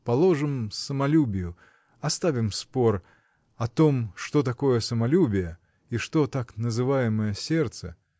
— Положим, самолюбию, оставим спор о том, что такое самолюбие и что — так называемое — сердце.